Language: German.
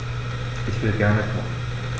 Ich will gerne kochen.